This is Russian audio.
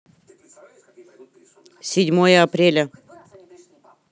седьмое апреля